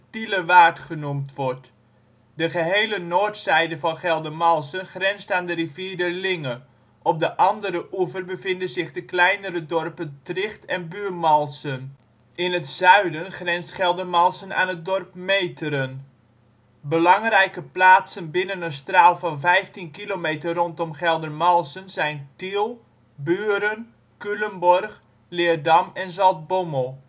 Tielerwaard genoemd wordt. De gehele noordzijde van Geldermalsen grenst aan de rivier de Linge; op de andere oever bevinden zich de kleinere dorpen Tricht en Buurmalsen. In het zuiden grenst Geldermalsen aan het dorp Meteren. Belangrijke plaatsen binnen een straal van vijftien kilometer rondom Geldermalsen zijn Tiel, Buren, Culemborg, Leerdam en Zaltbommel